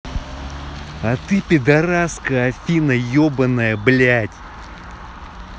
а ты пидараска афина ебаная блядь